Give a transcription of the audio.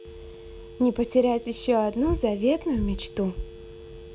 не потерять ее одну заветную мечту